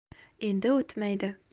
endi o'tmaydi